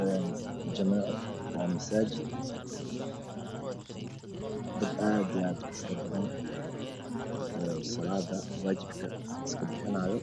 Een jameeco waa misaajid dad aad iyo aad u fara badan oo salaada waajibka iska bixinaayo